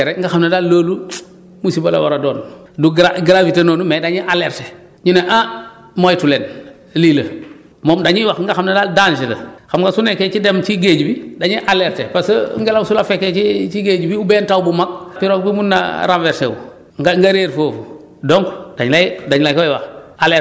alerte bi moom baax na parce que su ñu alerter rek nga xam ne daal loolu musiba la war a doon du gra gravité noonu mais dañuy alerter ñu ne ah moytu leen lii la moom dañuy wax lu nga xam ne daal danger la xam nga su nekkee ci dem ci géej bi dañuy alerter parce que ngelaw su la fekkee ci ci géej bi oubien taw bu mag ngelaw bi mun naa renverser wu nga nga réer foofu